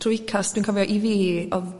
trwy ucas dwi'n cofio i fi odd